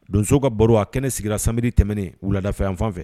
Donso ka baro a kɛnɛ sigira sanbi tɛmɛnen wuladafɛn fanfɛ